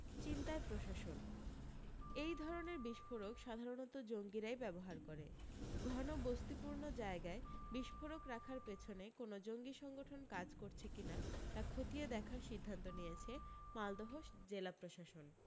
চিন্তায় প্রশাসন এই ধরণের বিস্ফোরক সাধারণত জঙ্গিরাই ব্যবহার করে ঘন বস্তিপূর্ণ জায়গায় বিস্ফোরক রাখার পিছনে কোনও জঙ্গি সংগঠন কাজ করছে কিনা তা খতিয়ে দেখার সিদ্ধান্ত নিয়েছে মালদহ জেলা প্রশাসন